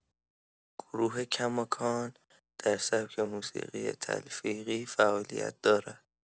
گروه کماکان در سبک موسیقی تلفیقی فعالیت دارد.